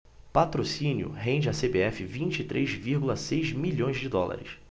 patrocínio rende à cbf vinte e três vírgula seis milhões de dólares